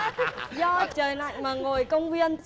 do trời lạnh mà ngồi công viên